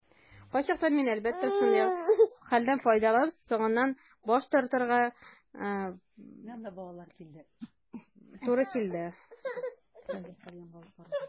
Кайчакта мин, әлбәттә, шундый хәлдән файдаландым - соңыннан баш тартырга туры килде.